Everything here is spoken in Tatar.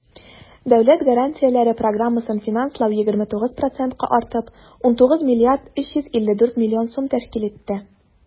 Дәүләт гарантияләре программасын финанслау 29 процентка артып, 19 млрд 354 млн сум тәшкил итте.